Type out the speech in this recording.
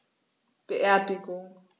Beerdigung